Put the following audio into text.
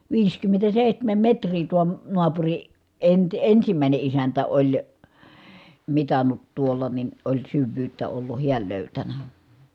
viisikymmentäseitsemän metriä tuo naapuri - ensimmäinen isäntä oli mitannut tuolla niin oli syvyyttä ollut hän löytänyt